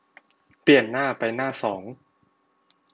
เปลี่ยนหน้าไปหน้าสอง